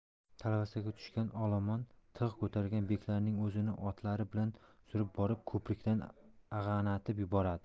talvasaga tushgan olomon tig' ko'targan beklarning o'zini otlari bilan surib borib ko'prikdan ag'anatib yuboradi